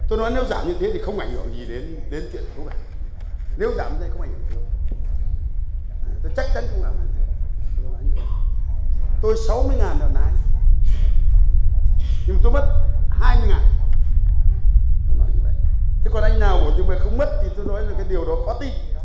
tôi nói nếu giảm như thế thì không ảnh hưởng gì đến đến chuyện thu hoạch nếu giảm không ảnh hưởng chắc chắn không ảnh hưởng đến tôi tôi sáu mươi ngàn lợn nái nhưng tôi mất hai mươi ngàn tôi nói như vậy thế còn anh nào bảo không mất thì tôi nói điều đó là khó tin